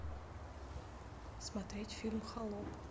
смотреть фильм холоп